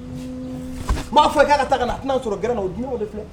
Maa fɔ ka taa ka na tɛna' sɔrɔ gna o de filɛ